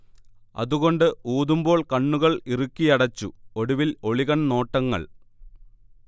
അതുകൊണ്ട് ഊതുമ്പോൾ കണ്ണുകൾ ഇറുക്കിയടച്ചു, ഒടുവിൽ ഒളികൺനോട്ടങ്ങൾ